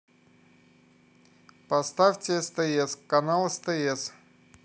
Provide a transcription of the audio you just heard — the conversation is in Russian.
поставьте стс канал стс